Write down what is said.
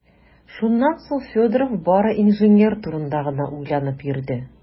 Шуннан соң Федоров бары инженер турында гына уйланып йөрде.